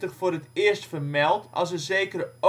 voor het eerst vermeld als een zekere